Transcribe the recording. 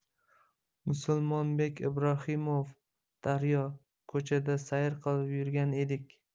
musulmonbek ibrohimov daryo ko'chada sayr qilib yurgan edik